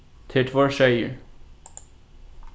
tað eru tveir seyðir